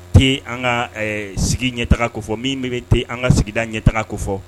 Tɛ an ka sigi ɲɛtaaga fɔ min bɛ taa an ka sigida ɲɛtaaga ko fɔ